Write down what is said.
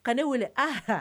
Ka ne wele a